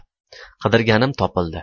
qidirganim topildi